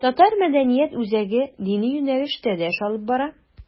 Татар мәдәният үзәге дини юнәлештә дә эш алып бара.